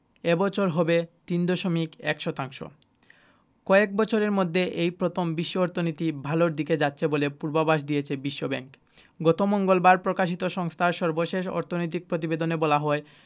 এ বছর হবে ৩.১ শতাংশ কয়েক বছরের মধ্যে এই প্রথম বিশ্ব অর্থনীতি ভালোর দিকে যাচ্ছে বলে পূর্বাভাস দিয়েছে বিশ্বব্যাংক গত মঙ্গলবার প্রকাশিত সংস্থার সর্বশেষ অর্থনৈতিক প্রতিবেদনে বলা হয়